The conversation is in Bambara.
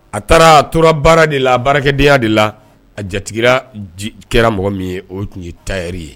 A taara a tora baara de la, baarakɛdenya de la . A jatigila kɛra mɔgɔ min ye , o kun ye tailleur ye.